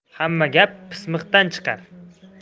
hamma gap pismiqdan chiqar